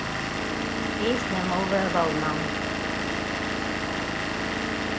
песня новая волна